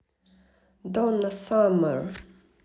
donna summer